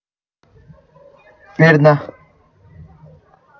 དཔེར ན